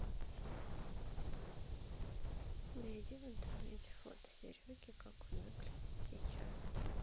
найди в интернете фото сереги как он выглядит сейчас